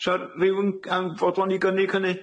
'S'a rywun yn fodlon i gynnig hynny?